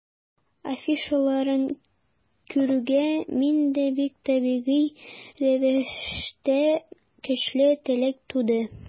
Афишаларын күрүгә, миндә бик табигый рәвештә көчле теләк туды.